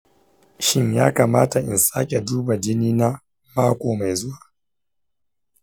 shin ya kamata in sake duba jini na mako mai zuwa?